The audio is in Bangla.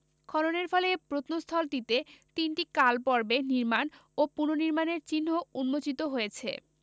খননের ফলে এ প্রত্নস্থলটিতে তিনটি কালপর্বে নির্মাণ ও পুনঃনির্মাণের চিহ্ন উন্মোচিত হয়েছে